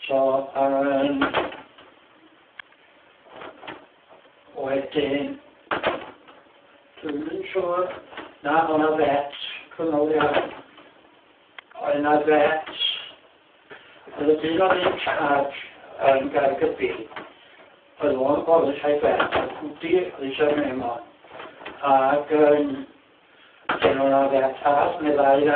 So yym wedyn dwi'm yn siŵr... na o'na vet oedd 'na vet oedd y dyn oedd in charge yn Gaergybi oedd o'n qualified vet a oedd ei surname o ag yym 'dyn oedd 'na vet arall o'na ddau yna.